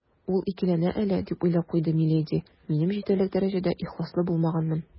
«ул икеләнә әле, - дип уйлап куйды миледи, - минем җитәрлек дәрәҗәдә ихласлы булмаганмын».